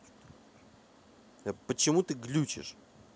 а почему ты глючишь